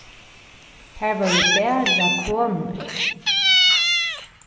har vóru bara konur